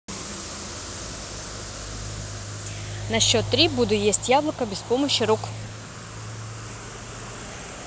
на счет три буду есть яблоко без помощи рук